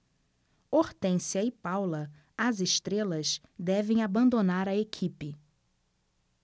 hortência e paula as estrelas devem abandonar a equipe